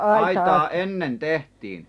aitaa ennen tehtiin